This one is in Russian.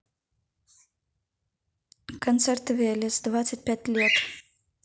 концерт велес двадцать пять лет